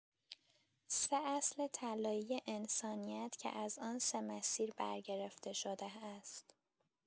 ۳ اصل طلایی انسانیت که از آن ۳ مسیر برگرفته شده است